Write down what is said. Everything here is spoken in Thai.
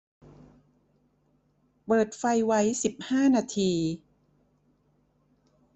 เปิดไฟไว้สิบห้านาที